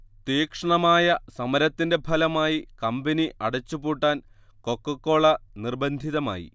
തീക്ഷണമായ സമരത്തിന്റെ ഫലമായി കമ്പനി അടച്ചുപൂട്ടാൻ കൊക്കക്കോള നിർബന്ധിതമായി